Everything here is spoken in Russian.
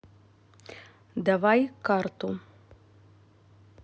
давай карту